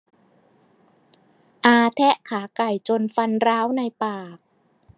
อาแทะขาไก่จนฟันร้าวในปาก